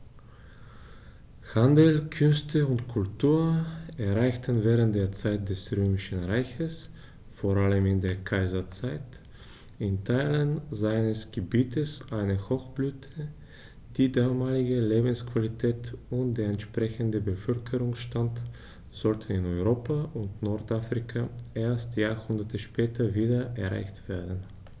Handel, Künste und Kultur erreichten während der Zeit des Römischen Reiches, vor allem in der Kaiserzeit, in Teilen seines Gebietes eine Hochblüte, die damalige Lebensqualität und der entsprechende Bevölkerungsstand sollten in Europa und Nordafrika erst Jahrhunderte später wieder erreicht werden.